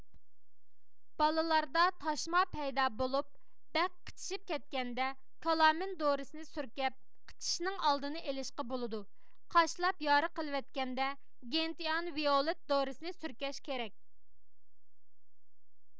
بالىلاردا تاشما پەيدا بولۇپ بەك قىچىشىپ كەتكەندە كالامىن دورىسىنى سۈركەپ قىچىشىشنىڭ ئالدىنى ئېلىشقا بولىدۇ قاشلاپ يارا قىلىۋەتكەندە گېنتىئان ۋىئولېت دورىسنى سۈركەش كېرەك